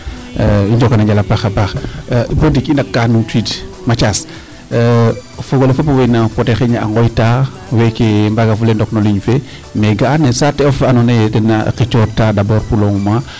I njookan a njal a paax a paax bo ndiik i ndaka numtuwiid Mathiase fog ole fop owey a ngooyta weeke mbaangafulee ndok no ligne fe me ga'a ne saate'of andoona yee ten qicooortaa dabort pour le moment.